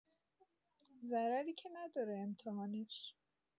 ضرری که نداره امتحانش!